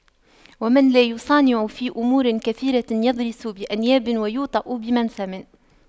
ومن لا يصانع في أمور كثيرة يضرس بأنياب ويوطأ بمنسم